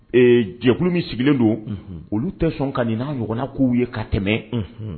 Jɛkulu min sigilen do olu tɛ sɔn ka nin n'a ɲɔgɔnna kow ye ka tɛmɛ